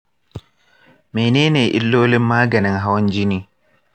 menene illolin maganin hawan jini?